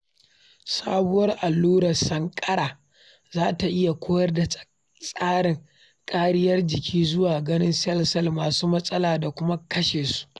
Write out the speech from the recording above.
Sabuwar allurar sankara za ta iya koyar da tsarin kariyar jiki zuwa ‘ganin’ sel-sel masu matsala da kuma kashe su